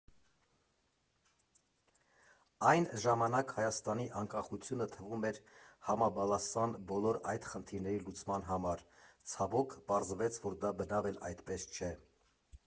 Այն ժամանակ Հայաստանի անկախությունը թվում էր համաբալասան բոլոր այդ խնդիրների լուծման համար, ցավոք, պարզվեց, որ դա բնավ էլ այդպես չէ։